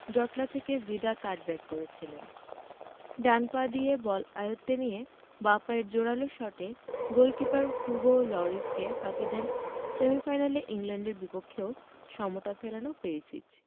জটলা থেকে Vida cutback করেছিলেন ডান পা দিয়ে বল আয়ত্তে নিয়ে বাঁ পায়ের জোরালো শটে গোলকিপার হুগো লরিসকে ফাঁকি দেন সেমিফাইনালে ইংল্যান্ডের বিপক্ষেও সমতা ফেরানো পেরিসিচ